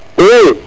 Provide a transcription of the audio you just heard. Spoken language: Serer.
i